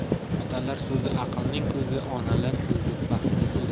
otalar so'zi aqlning ko'zi onalar so'zi baxtning o'zi